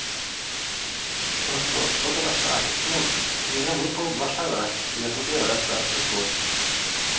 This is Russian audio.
ну что ж побросали смотрим у меня выпало два шара я забираю красный тоже